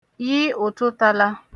yi ụ̀tụtalā